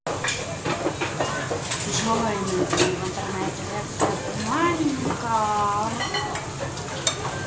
джой найди мне в интернете рецепт манников